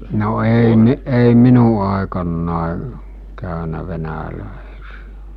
no ei - ei minun aikana käynyt venäläisiä